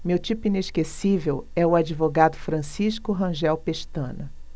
meu tipo inesquecível é o advogado francisco rangel pestana